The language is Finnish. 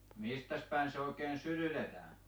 mistäs päin se oikein sytytetään